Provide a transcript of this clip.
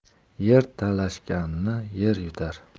er talashganni yer yutar